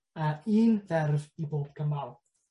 yy un ferf i bob cymal.